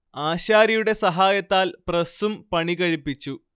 ആശാരിയുടെ സഹായത്താൽ പ്രസ്സും പണികഴിപ്പിച്ചു